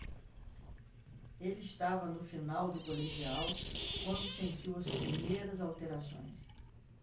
ele estava no final do colegial quando sentiu as primeiras alterações